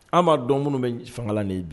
An ma dɔn bɛ fanga de bi